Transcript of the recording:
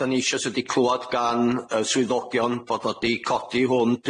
'dan ni isio sy 'di clwad gan y swyddogion fod o 'di codi hwn